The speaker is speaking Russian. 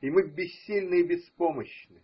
и мы бессильны и беспомощны.